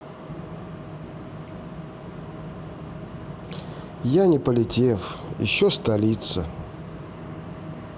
я не полетев еще столица